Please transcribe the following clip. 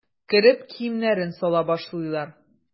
Кереп киемнәрен сала башлыйлар.